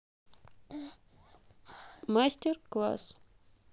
мастер класс